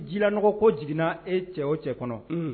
Jila nɔgɔ ko jiginna e cɛ o cɛ kɔnɔ, unhun